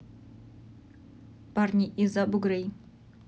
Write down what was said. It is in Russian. парни из абу грей